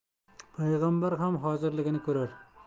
payg'ambar ham hozirligini ko'rar